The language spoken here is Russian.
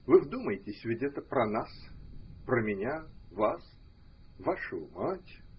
Вы вдумайтесь: ведь это про нас – про меня, вас, вашу мать!